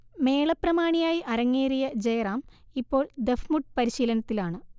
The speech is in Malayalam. മേള പ്രമാണിയായി അരങ്ങേറിയ ജയറാം ഇപ്പോൾ ദഫ്മുട്ട് പരിശിലനത്തിലാണ്